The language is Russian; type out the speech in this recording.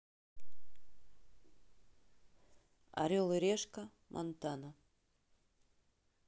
орел и решка монтана